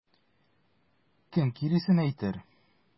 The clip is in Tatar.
Кем киресен әйтер?